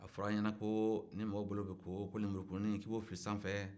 a fɔra an ɲɛna ko ni mɔgɔ bolo bɛ ko ko lemurukumuni k'i b'o fili sanfɛ